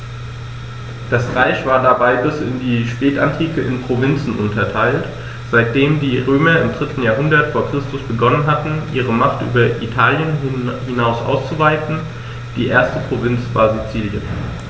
Das Reich war dabei bis in die Spätantike in Provinzen unterteilt, seitdem die Römer im 3. Jahrhundert vor Christus begonnen hatten, ihre Macht über Italien hinaus auszuweiten (die erste Provinz war Sizilien).